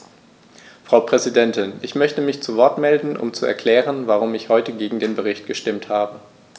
Frau Präsidentin, ich möchte mich zu Wort melden, um zu erklären, warum ich heute gegen den Bericht gestimmt habe.